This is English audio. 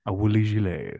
A woolly gilet.